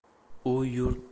u yurt bilan